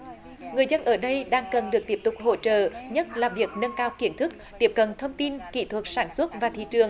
người dân ở đây đang cần được tiếp tục hỗ trợ nhất là việc nâng cao kiến thức tiếp cận thông tin kỹ thuật sản xuất và thị trường